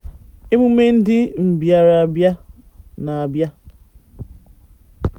1. Emume ndị mbịarambịa na-abịa.